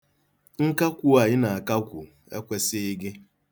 Nkakwu a ị na-akakwu ekwesịghị gị.